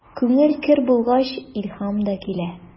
Күңел көр булгач, илһам да килә.